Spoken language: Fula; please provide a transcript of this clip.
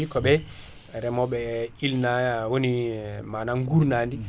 koɓe reemoɓe ilna woni maname gurnadi